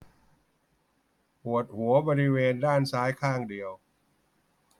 ปวดหัวบริเวณด้านซ้ายข้างเดียว